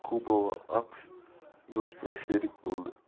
kuba va aqsh do'st va sherik bo'ldi